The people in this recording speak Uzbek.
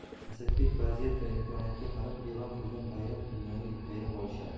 asadbek vaziyat va imkoniyatga qarab e'lon qilgan bayram kunlari yayrab olishadi